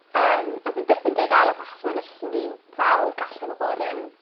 Yym ond fi byth yn deud Ewrop achos ma' onna jyst yn ry fawr galle fe bod yn